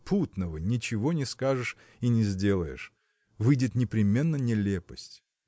путного ничего не скажешь и не сделаешь выйдет непременно нелепость.